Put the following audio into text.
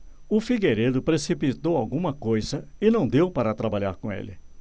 o figueiredo precipitou alguma coisa e não deu para trabalhar com ele